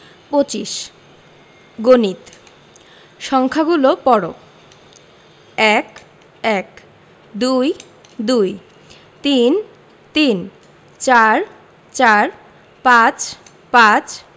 ২৫ গণিত সংখ্যাগুলো পড়ঃ ১ - এক ২ - দুই ৩ - তিন ৪ – চার ৫ – পাঁচ